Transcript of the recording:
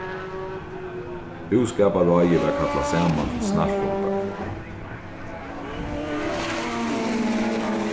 búskaparráðið varð kallað saman til snarfundar